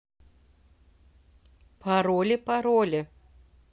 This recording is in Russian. пароли пароли